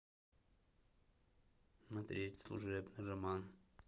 смотреть служебный роман